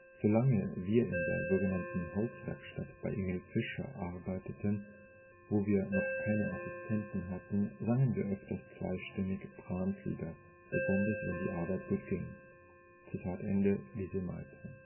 Solange wir in der sogenannten Holzwerkstatt bei Emil Fischer arbeiteten, wo wir noch keine Assistenten hatten, sangen wir öfters zweistimmig Brahms-Lieder, besonders wenn die Arbeit gut ging. “– Lise Meitner